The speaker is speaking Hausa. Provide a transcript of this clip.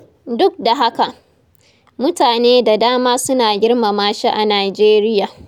Duk da haka, mutane da dama suna girmama shi a Nijeriya